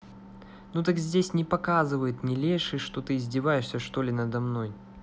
ну так здесь не показывает не леший что ты издеваешься что ли надо мной